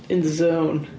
in the zone.